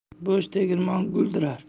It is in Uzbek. bo'sh tegirmon guldirar